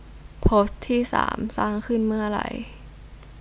โพสต์ที่สามสร้างขึ้นเมื่อไร